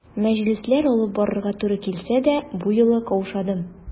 Мәҗлесләр алып барырга туры килсә дә, бу юлы каушадым.